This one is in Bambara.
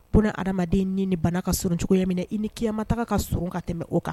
Buna hadamaden ni ni bana ka surun cogo minɛ i ni kiyayama taga ka surun ka tɛmɛ o kan